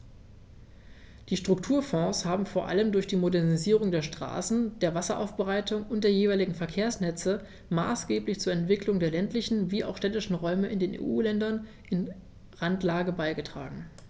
Die Strukturfonds haben vor allem durch die Modernisierung der Straßen, der Wasseraufbereitung und der jeweiligen Verkehrsnetze maßgeblich zur Entwicklung der ländlichen wie auch städtischen Räume in den EU-Ländern in Randlage beigetragen.